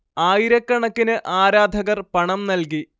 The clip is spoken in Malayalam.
ആയിരക്കണക്കിന് ആരാധകർ പണം നൽകി